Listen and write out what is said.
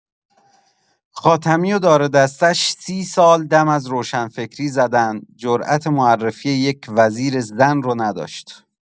خاتمی و دار و دسته‌اش، ۳۰ سال دم از روشنفکری زدن جرات معرفی‌ی وزیر زن رو نداشت.